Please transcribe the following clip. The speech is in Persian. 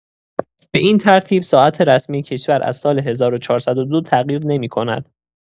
به این ترتیب ساعت رسمی کشور از سال ۱۴۰۲ تغییر نمی‌کند.